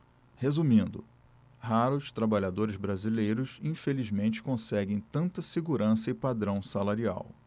resumindo raros trabalhadores brasileiros infelizmente conseguem tanta segurança e padrão salarial